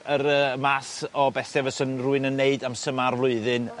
yr yy math o bethe fyswn rywun yn neud amser 'ma'r flwyddyn